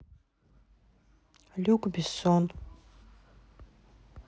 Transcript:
люк бессон